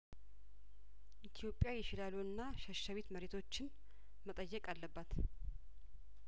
ኢትዮጵያ የሺላሎ እና ሸሸቢት መሬቶችን መጠየቅ አለባት